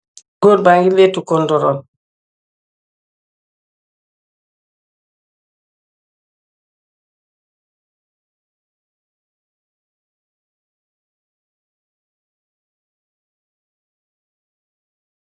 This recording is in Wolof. Goor bange letuh ku ndoror